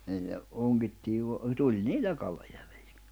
niillä ongittiin - tuli niillä kaloja väliin